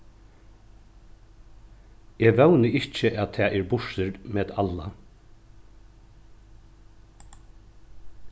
eg vóni ikki at tað er burtur med alla